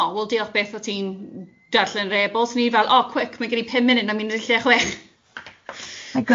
O, wel diolch byth bo' ti'n darllen yr e-bost. O'n i fel, o quick, mae gen i pum munud 'nai fynd i'r lle chwech!